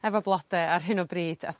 efo blode ar hyn o bryd a